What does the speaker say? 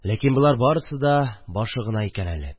Ләкин болар барысы да башы гына икән әле